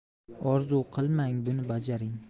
orzu qilmang buni bajaring